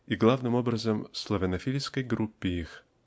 и главным образом славянофильской группе их.